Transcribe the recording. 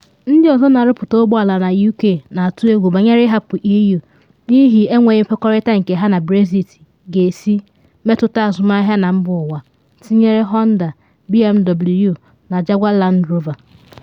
Ndị ọzọ na-arụpụta ụgbọ ala na UK na-atụ egwu banyere ịhapụ EU n'ihi enweghị nkwekọrịta nke ha na Brexit ga-esi mmetụta azụmahịa na mba ụwa, tinyere Honda, BMW na Jaguar Land Rover.